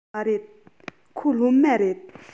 མ རེད ཁོ སློབ མ རེད